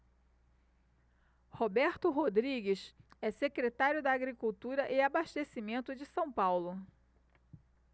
roberto rodrigues é secretário da agricultura e abastecimento de são paulo